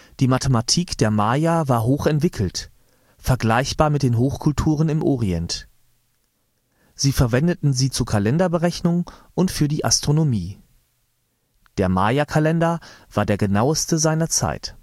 Die Mathematik der Maya war hochentwickelt, vergleichbar mit den Hochkulturen im Orient. Sie verwendeten sie zur Kalenderberechnung und für die Astronomie. Der Maya-Kalender war der genaueste seiner Zeit